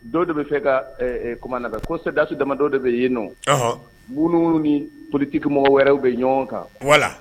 Dɔw de bɛ fɛ ka k na kɔsa daso dama dɔw de bɛ yen nɔ wu ni porotikimɔgɔw wɛrɛw bɛ ɲɔgɔn kan